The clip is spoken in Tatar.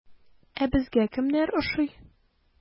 Ә безгә кемнәр ошый?